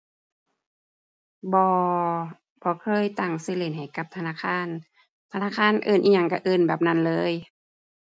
บ่ บ่เคยตั้งชื่อเล่นให้กับธนาคาร ธนาคารเอิ้นอิหยัง ชื่อเอิ้นแบบนั้นเลย